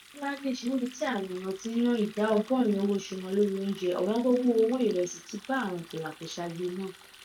Ní Bangladesh, níbi tí àwọn èèyàn ti ń ná ìdá 80% owó oṣù wọn lórí oúnjẹ, ọ̀wọ́ngógó owó ìrẹsì ti ba àwọn kòlà-kòsagbe náà.